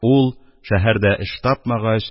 Ул, шәһәрдә эш тапмагач,